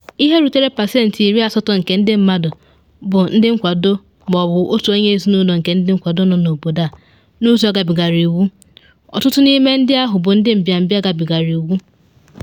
“Ihe rutere pasentị 80 nke ndị mmadụ bụ ndị nkwado ma ọ bụ onye otu ezinụlọ nke ndị nkwado nọ n’obodo a n’ụzọ gabigara iwu, ọtụtụ n’ime ndị ahụ bụ ndị mbịambịa gabigara iwu.